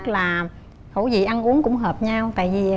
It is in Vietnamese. là khẩu dị ăn uống cũng hợp nhau tại gì